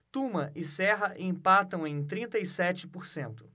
tuma e serra empatam em trinta e sete por cento